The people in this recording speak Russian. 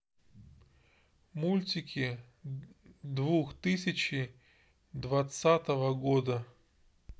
мультики двух тысячи двадцатого года